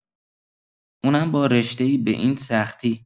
اونم با رشته‌ای به این سختی